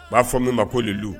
U b'a fɔ min ma ko le loup